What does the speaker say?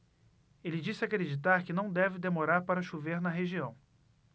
ele disse acreditar que não deve demorar para chover na região